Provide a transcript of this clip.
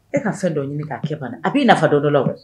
E ka fɛn dɔ ɲini k' kɛ ban a b'i nafa dɔ dɔ la